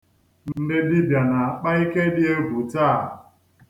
Ndị dibịa na-akpa ike dị egwu taa.